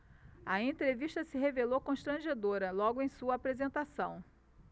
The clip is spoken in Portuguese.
a entrevista se revelou constrangedora logo em sua apresentação